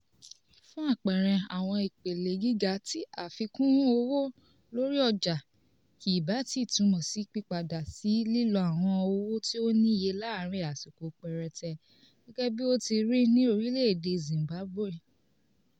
Fún àpẹẹrẹ, àwọn ìpele gíga ti àfikún owó lórí ọjà, kì bá ti túmọ̀ sí pípadà sí lílo àwọn owó tí ó níye láàárín àsìkò péréte, gẹ́gẹ́ bí ó ti rí ní orílẹ́ èdè Zimbabwe.